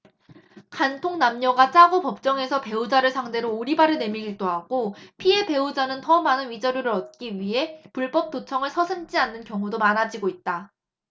간통 남녀가 짜고 법정에서 배우자를 상대로 오리발을 내밀기도 하고 피해 배우자는 더 많은 위자료를 얻기 위해 불법 도청을 서슴지 않는 경우도 많아지고 있다